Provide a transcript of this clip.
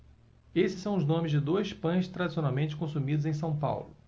esses são os nomes de dois pães tradicionalmente consumidos em são paulo